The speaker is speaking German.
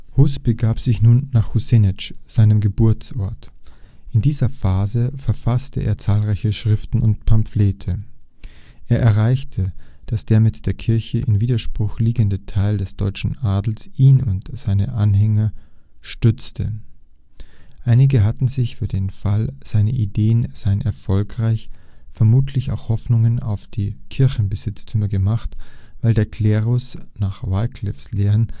Hus begab sich nun nach Husinec, seinem Geburtsort. In dieser Phase verfasste er zahlreiche Schriften und Pamphlete. Er erreichte, dass der mit der Kirche in Widerspruch liegende Teil des deutschen Adels ihn und seine Anhänger schützte. Einige hatten sich für den Fall, seine Ideen seien erfolgreich, vermutlich auch Hoffnungen auf die Kirchenbesitztümer gemacht, weil der Klerus nach Wyclifs Lehren